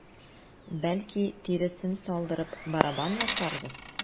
Бәлки, тиресен салдырып, барабан ясарбыз?